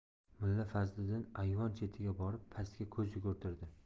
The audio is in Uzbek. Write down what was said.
mulla fazliddin ayvon chetiga borib pastga ko'z yugurtirdi